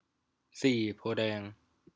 สี่โพธิ์แดง